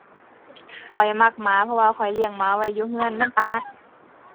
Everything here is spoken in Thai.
ข้อยมักหมา เพราะว่าข้อยเลี้ยงหมาไว้อยู่เรือนมันตาเรือน